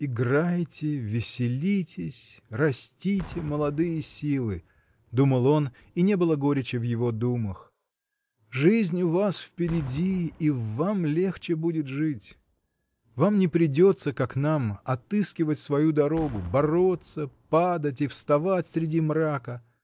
"Играйте, веселитесь, растите, молодые силы, -- думал он, и не было горечи в его думах, -- жизнь у вас впереди, и вам легче будет жить: вам не придется, как нам, отыскивать свою дорогу, бороться, падать и вставать среди мрака